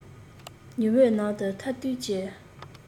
ཉི འོད ནང དུ ཐལ རྡུལ གྱི